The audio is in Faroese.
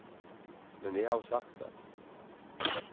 men eg havi sagt tað